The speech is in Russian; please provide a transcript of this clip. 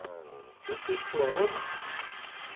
ну ты что робот